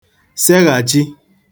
seghàchi